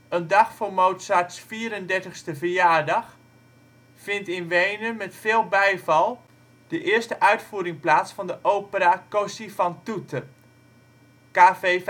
een dag voor Mozarts vierendertigste verjaardag — vindt in Wenen met veel bijval de eerste uitvoering plaats van de opera Così fan tutte (KV 588